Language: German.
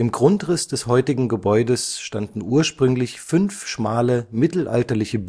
Grundriss des heutigen Gebäudes standen ursprünglich fünf schmale mittelalterliche